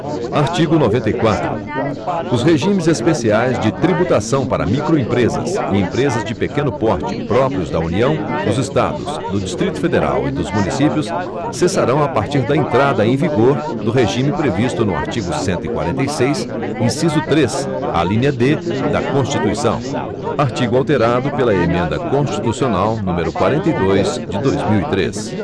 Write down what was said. artigo noventa e quatro os regimes especiais de tributação para microempresas e empresas de pequeno porte próprios da união dos estados do distrito federal e dos municípios cessarão a partir da entrada em vigor do regime previsto no artigo cento e quarenta e seis inciso três alínea d da constituição artigo alterado pela emenda constitucional número quarenta e dois de dois mil e três